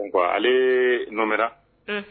Ale n nɔɛra